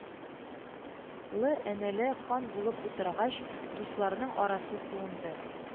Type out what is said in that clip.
Лы-энеле хан булып утыргач, дусларның арасы суынды